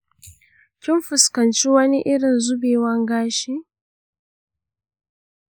kin fuskanci wani irin zubewan gashi?